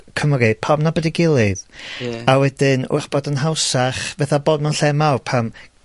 Cymru, pawb yn nabod 'i gilyd. Ie. A wedyn 'w'rach bod o'n hawsach fetha bod mewn lle mawr pan